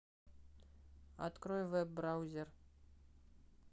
открой веб браузер